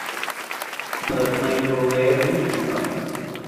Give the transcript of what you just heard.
เปิดไมโครเวฟให้ฉันหน่อย